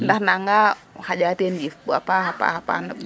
ndax naga xaƴa teen yiif a paxa paxa paax